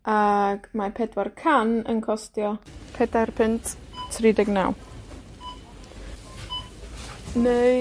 ag mae pedwar can yn costio pedair punt tri deg naw. Neu